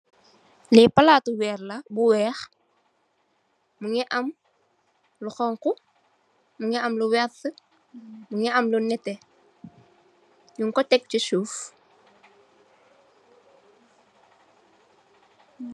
Li palatu weer la bu weex. Mingi am lu xonxu, mingi am lu wertt, mingi am lu nette, ñunko tekk si suuf.